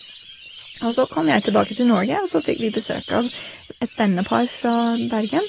Og så kom jeg tilbake til Norge, og så fikk vi besøk av et vennepar fra Bergen.